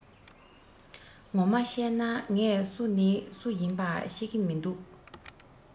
ངོ མ གཤས ན ངས སུ ནི སུ ཡིན པ ཤེས གི མི འདུག